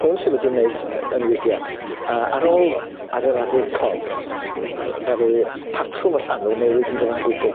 Hwn sy' wedi neud yy y newidiad yy ar ôl adeiladu'r Cob dd- ddaru patrwm y llanw newid yn gyfan gwbwl.